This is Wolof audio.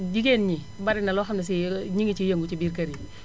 jigéen ñi bari na loo xam ne si ñu ngi ciy yëngu ci biir kër yi